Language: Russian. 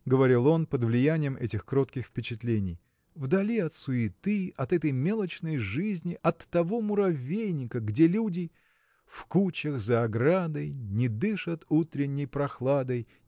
– говорил он под влиянием этих кротких впечатлений – вдали от суеты от этой мелочной жизни от того муравейника где люди . в кучах за оградой Не дышат утренней прохладой